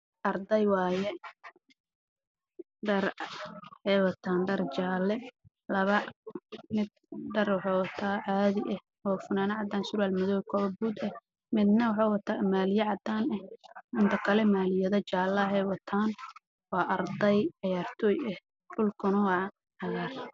Halkaan waxaa ka muuqdo niman dhalinyaro ah banooniga dheelo waxay qabaan fanaanado jaalo dhexdoodana waxaa taagan mid qabo fanaanad cadaan ah